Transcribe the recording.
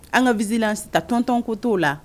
An ka bini ta tɔntɔnonko to la